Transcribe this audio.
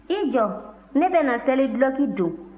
i jɔ ne bɛna seliduloki don